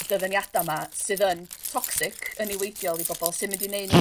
y dyfyniada 'ma sydd yn toxic yn niweidiol i bobol sy mynd i neud nw